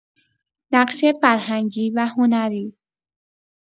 نقش فرهنگی و هنری